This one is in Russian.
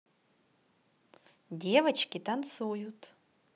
девочки танцуют